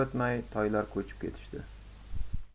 o'tmay toylar ko'chib ketishdi